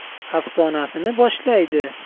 afsonasini boshlaydi